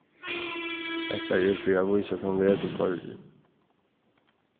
hetta er fyri at vísa hvønn veg tú koyrir